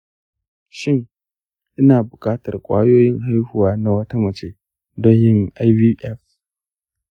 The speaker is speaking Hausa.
shin ina bukatar ƙwayayen haihuwa na wata mace don yin ivf?